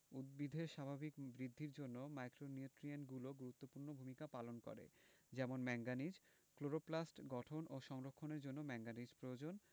উদ্ভিদের স্বাভাবিক বৃদ্ধির জন্য মাইক্রোনিউট্রিয়েন্টগুলোও গুরুত্বপূর্ণ ভূমিকা পালন করে যেমন ম্যাংগানিজ ক্লোরোপ্লাস্ট গঠন ও সংরক্ষণের জন্য ম্যাংগানিজ প্রয়োজন